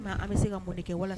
An bɛ se kao de kɛ wala